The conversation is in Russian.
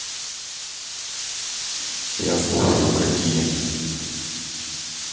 я слушаю какие